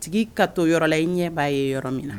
Tigi ka to yɔrɔ la i ɲɛ b'a ye yɔrɔ min na